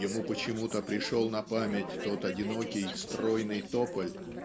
"ему почему-то пришел на память тот одинокий стройный тополь